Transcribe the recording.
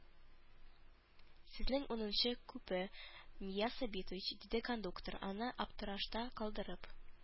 Сезнең унынчы купе, Нияз Сабитович, диде кондуктор, аны аптырашта калдырып.